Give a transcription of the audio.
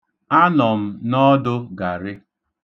Anọ m n'ọdụ garị.